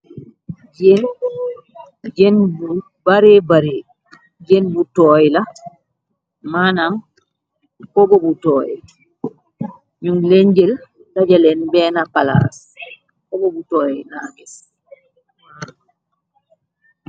Jeun, jeun bu bari bari, jeun bu toyy la manam kobo bu toyy, njung len jeul daajalehn benah plass, kobo bu toyy la gis.